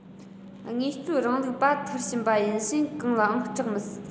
དངོས གཙོའི རིང ལུགས པ མཐར ཕྱིན པ ཡིན ཕྱིན གང ལའང སྐྲག མི སྲིད